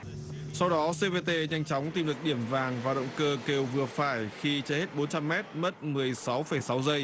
sau đó xê vê tê nhanh chóng tìm được điểm vàng và động cơ kêu vừa phải khi chạy hết bốn trăm mét mất mười sáu phẩy sáu giây